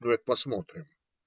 - Ну, это посмотрим.